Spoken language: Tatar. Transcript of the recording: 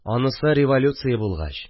Анысы революция булгач